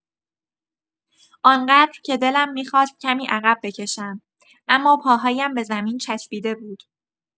آن‌قدر که دلم می‌خواست کمی عقب بکشم، اما پاهایم به زمین چسبیده بود.